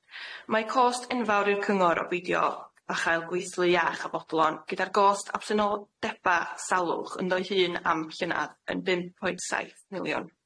Mae cost enfawr i'r cyngor o beidio a chael gweithlu iach a bodlon gyda'r gost absenoldeba salwch ynddo'i hun am llynadd yn bum pwynt saith miliwn.